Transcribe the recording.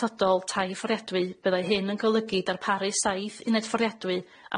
atodol tai fforiadwy fyddai hyn yn golygu darparu saith uned fforiadwy